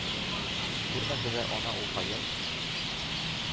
Күрмәсә дә, ана улкаен